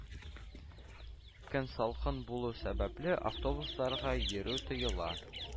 Көн салкын булу сәбәпле, автобусларга йөрү тыела